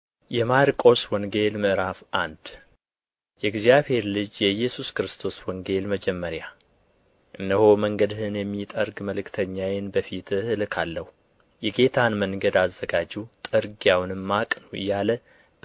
የማርቆስ ወንጌል ምዕራፍ አንድ የእግዚአብሔር ልጅ የኢየሱስ ክርስቶስ ወንጌል መጀመሪያ እነሆ መንገድህን የሚጠርግ መልክተኛዬን በፊትህ እልካለሁ የጌታን መንገድ አዘጋጁ ጥርጊያውንም አቅኑ እያለ